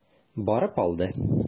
Барып алды.